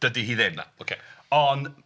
Dydy hi ddim... Na ocê. ...Ond